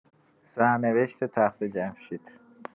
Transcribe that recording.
سرنوشت تخت‌جمشید